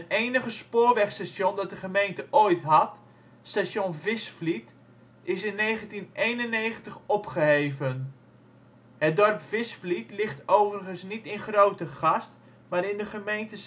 enige spoorwegstation dat de gemeente ooit had, Station Visvliet, is in 1991 opgeheven. Het dorp Visvliet ligt overigens niet in Grootegast, maar in de gemeente Zuidhorn